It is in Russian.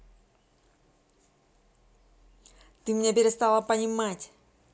ты меня перестала понимать